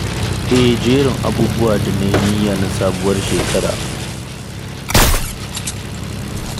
Eh, jerin abubuwan da na yi niyya na Sabuwar Shekara.